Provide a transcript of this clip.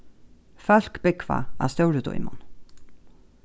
fólk búgva á stóru dímun